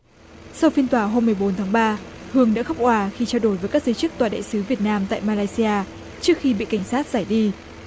sau phiên tòa hôm mười bốn tháng ba hương đã khóc òa khi trao đổi với các giới chức tòa đại sứ việt nam tại ma lay si a trước khi bị cảnh sát giải đi